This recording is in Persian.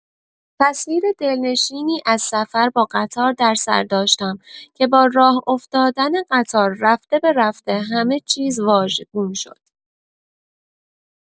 تصویر دلنشینی از سفر با قطار در سر داشتم که با به راه افتادن قطار رفته رفته همه چیز واژگون شد.